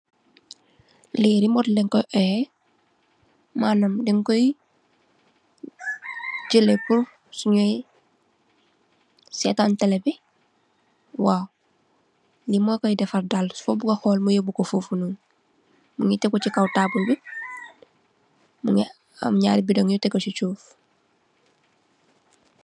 Li remote lañkoi oyee, manam dañkoi jelih ko süy setan tele. Li mukoi defarr daal fubuga hool nga yubako fuf, mungi tegu ci kaw tabul bi, mungi am nyarri bidong yu tegu ci suuf.